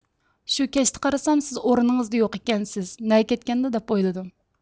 شۇ كەچتە قارىسام سىز ئورنىڭىزدا يوق ئىكەنسىز نەگ كەتكەندۇ دەپ ئويلىدىم